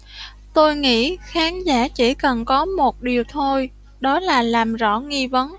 tôi nghĩ khán giả chỉ cần có một điều thôi đó là làm rõ nghi vấn